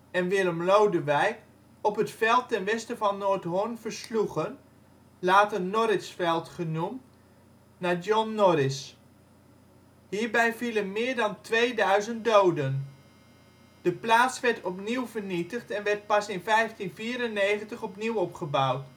en Willem Lodewijk op het veld ten westen van Noordhorn versloegen (later Norritsveld genoemd, naar John Norris). Hierbij vielen meer dan 2000 doden. De plaats werd opnieuw vernietigd en werd pas in 1594 opnieuw opgebouwd